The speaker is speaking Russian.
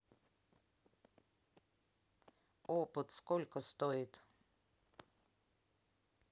опыт сколько стоит